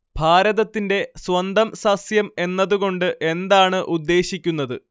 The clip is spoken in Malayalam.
ഭാരതത്തിന്റെ സ്വന്തം സസ്യം എന്നത് കൊണ്ട് എന്താണ് ഉദ്ദേശിക്കുന്നത്